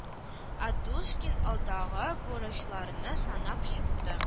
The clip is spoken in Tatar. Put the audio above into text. Адушкин алдагы бурычларны санап чыкты